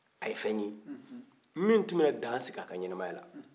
a ye fɛn ye min tun bɛ na dansigi a ka ɲanamaya la